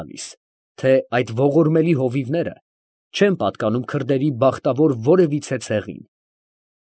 Տալիս, թե այդ ողորմելի հովիվները չեն պատկանում քրդերի բախտավոր որևիցե ցեղին։ ֊